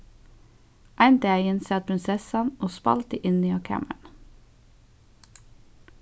ein dagin sat prinsessan og spældi inni á kamarinum